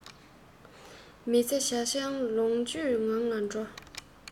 མི ཚེ ཇ ཆང ལོངས སྤྱོད ངང ལ འགྲོ